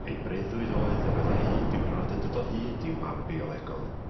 Ei breuddwyd oedd y byddai un diwrnod yn dod o hyd i'w mam biolegol.